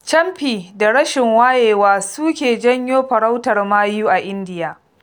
Camfi da rashin wayewa su ke janyo farautar mayu a Indiya.